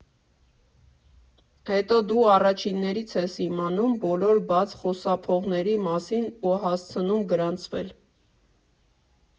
Հետո, դու առաջիններից ես իմանում բոլոր բաց խոսափողների մասին ու հասցնում գրանցվել։